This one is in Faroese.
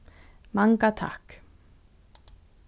manga takk